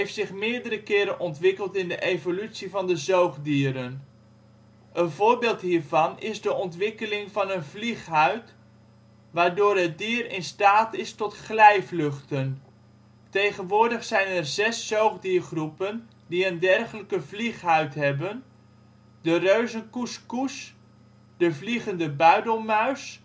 zich meerdere keren ontwikkeld in de evolutie van de zoogdieren (convergente evolutie). Volaticotherium antiquus, een fossiel zoogdier dat in staat was tot glijvluchten. Een voorbeeld hiervan is de ontwikkeling van een vlieghuid, waardoor het dier in staat is tot glijvluchten. Tegenwoordig zijn er zes zoogdiergroepen die een dergelijke vlieghuid hebben: de reuzenkoeskoes (Petauroides volans), de vliegende buidelmuis